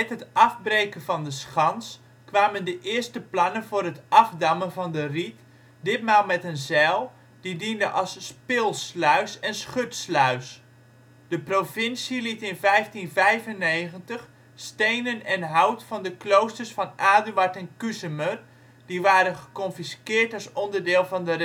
het afbreken van de schans kwamen de eerste plannen voor het afdammen van de Riet, ditmaal met een zijl, die diende als spilsluis en schutsluis. De provincie liet in 1595 stenen en hout van de kloosters van Aduard en Kuzemer, die waren geconfisqueerd als onderdeel van de reductie